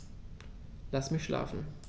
Lass mich schlafen